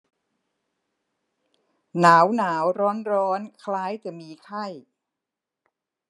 หนาวหนาวร้อนร้อนคล้ายจะมีไข้